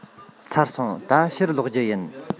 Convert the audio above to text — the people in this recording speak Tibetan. ཚར སོང ད ཕྱིར ལོག རྒྱུ ཡིན